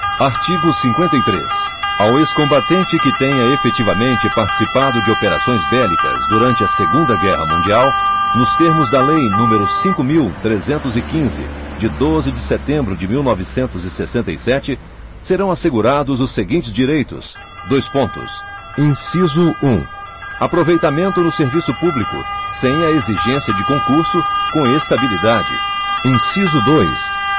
artigo cinquenta e três ao ex combatente que tenha efetivamente participado de operações bélicas durante a segunda guerra mundial nos termos da lei número cinco mil trezentos e quinze de doze de setembro de mil novecentos e sessenta e sete serão assegurados os seguintes direitos dois pontos inciso um aproveitamento no serviço público sem a exigência de concurso com estabilidade inciso dois